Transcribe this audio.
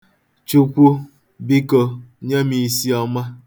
Chukwu, biko, nye m isiọma.